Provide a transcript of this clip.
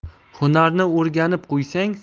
hunarni o'rganib qo'ysang